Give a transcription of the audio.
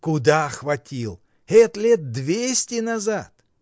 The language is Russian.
— Куда хватил: это лет двести назад!